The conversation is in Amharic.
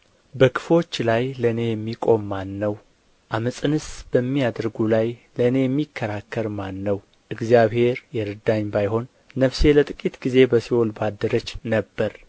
በክፉዎች ላይ ለእኔ የሚቆም ማን ነው ዓመፃንስ በሚያደርጉ ላይ ለእኔ የሚከራከር ማን ነው እግዚአብሔር የረዳኝ ባይሆን ነፍሴ ለጥቂት ጊዜ በሲኦል ባደረች ነበር